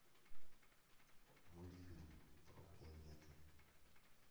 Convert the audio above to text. мультфильм про планеты